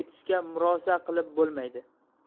etishga murosa qilib bo'lmaydi